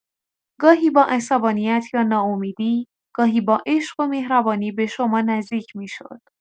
گاهی با عصبانیت یا ناامیدی، گاهی با عشق و مهربانی به شما نزدیک می‌شد.